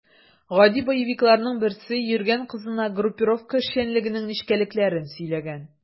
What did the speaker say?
Гади боевикларның берсе йөргән кызына группировка эшчәнлегенең нечкәлекләрен сөйләгән.